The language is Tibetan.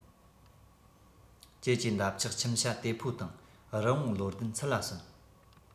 ཀྱེ ཀྱེ འདབ ཆགས ཁྱིམ བྱ དེ ཕོ དང རི བོང བློ ལྡན ཚུར ལ གསོན